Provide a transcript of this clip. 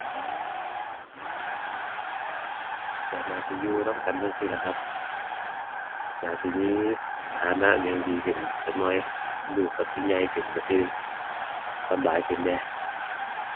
ก็น่าสิอยู่นำกันจั่งซี้ล่ะครับ น่าสิมีฐานะอิหยังดีขึ้นจักหน่อย ลูกก็สิใหญ่ขึ้น ก็สิได้สำบายขึ้นแหน่